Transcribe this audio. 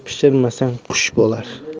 pishirmasang qush bo'lar